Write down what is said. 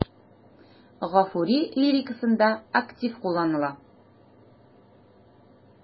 Гафури лирикасында актив кулланыла.